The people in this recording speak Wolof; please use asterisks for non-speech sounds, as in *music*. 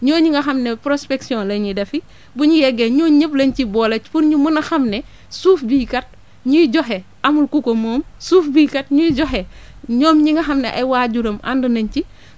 ñooñu nga xam ne prospection lañuy defi *breath* bu ñu yeggee énooñu ñëpp lañ ci boole pour ñu mun a xam ne suuf bii kat ñuy joxe amul ku ko moom suuf bii kat ñuy joxe *breath* ñoom ñi nga xam ne ay waajuram ànd nañ ci